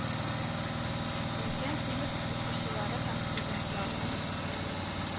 Өлкән сыйныф укучылары һәм студентларның